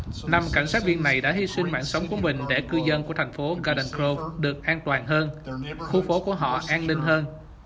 năm cảnh sát viên này đã hy sinh mạng sống của mình để cư dân của thành phố ga đừn gâu được an toàn hơn khu phố của họ an ninh hơn